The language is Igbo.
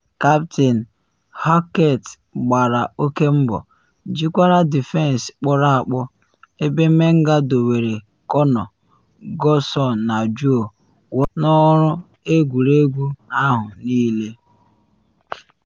Kaptịn Halkett gbara oke mbọ, jikwara defensị kpọrọ akpọ, ebe Menga dowere Connor Goldson na Joe Worrall n’ọrụ n’egwuregwu ahụ niile.